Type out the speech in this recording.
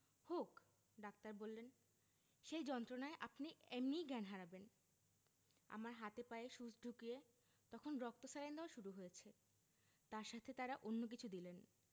হোক ডাক্তার বললেন সেই যন্ত্রণায় আপনি এমনি জ্ঞান হারাবেন আমার হাতে পায়ে সুচ ঢুকিয়ে তখন রক্ত স্যালাইন দেওয়া শুরু হয়েছে তার সাথে তারা অন্য কিছু দিলেন